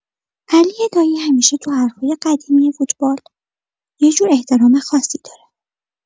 علی دایی همیشه تو حرفای قدیمی فوتبال یه جور احترام خاصی داره.